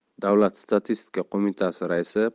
davlat statistika qo'mitasi